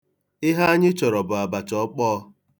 Ihe anyị chọrọ bụ abacha ọkpọọ.